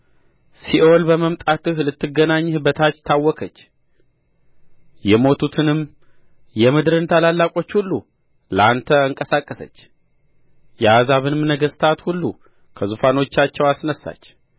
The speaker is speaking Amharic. ሲኦል በመምጣትህ ልትገናኝህ በታች ታወከች የሞቱትንም የምድርን ታላላቆች ሁሉ ለአንተ አንቀሳቀሰች የአሕዛብንም ነገሥታት ሁሉ ከዙፋኖቻቸው አስነሣች